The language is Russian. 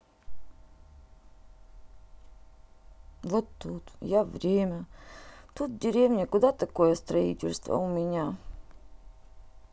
вот тут я время тут в деревне куда такое строительство у меня